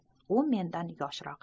u mendan yoshroq